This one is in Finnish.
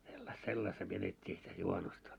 - sellaista vietettiin sitä juhannusta